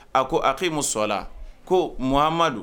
A ko akimu sɔla ko Mamadu